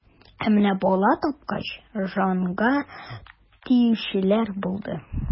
Ә менә бала тапкач, җанга тиючеләр булды.